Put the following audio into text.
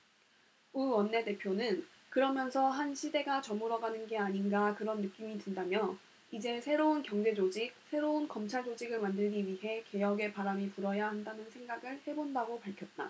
우 원내대표는 그러면서 한 시대가 저물어가는 게 아닌가 그런 느낌이 든다며 이제 새로운 경제조직 새로운 검찰조직을 만들기 위해 개혁의 바람이 불어야한다는 생각을 해 본다고 밝혔다